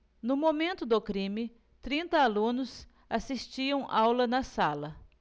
no momento do crime trinta alunos assistiam aula na sala